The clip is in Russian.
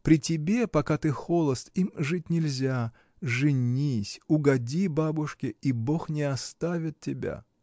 При тебе, пока ты холост, им жить нельзя — женись, угоди бабушке, и Бог не оставит тебя!